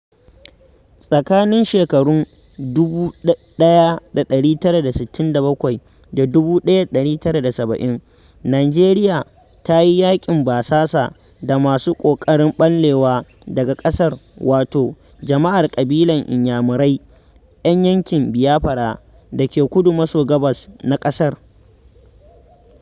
Tsakanin shekarun 1967 da 1970, Nijeriya ta yi yaƙin basasa da masu ƙoƙarin ɓallewa daga ƙasar wato jama'ar ƙabilar Inyamirai 'yan yankin Biafra da ke kudu maso gabas na ƙasar.